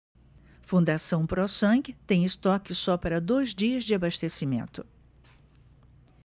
fundação pró sangue tem estoque só para dois dias de abastecimento